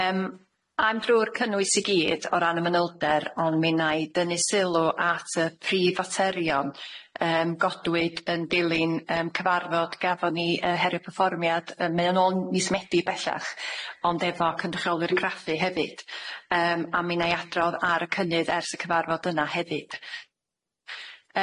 Yym ai'm drw'r cynnwys i gyd o ran y manylder ond mi 'na i dynnu sylw at y prif faterion yym godwyd yn dilyn yym cyfarfod gafon ni yy herio perfformiad yy mae o nôl yn mis Medi bellach ond efo cynrychiolwyr craffu hefyd yym a mi 'na i adrodd ar y cynnydd ers y cyfarfod yna hefyd.